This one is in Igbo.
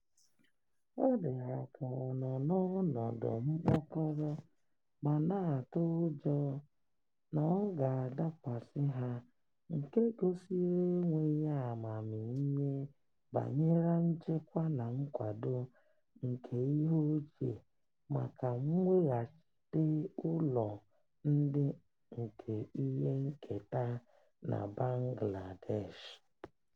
Ọ dị ha ka ọ nọ n'ọnọdụ mkpọkọrọ ma na-atụ ụjọ na ọ ga-adakwasị ha—nke gosiri enweghị amamihe banyere nchekwa na nkwado nke ihe ochie maka mweghachite ụlọ ndị nke ihe nketa na Bangladesh.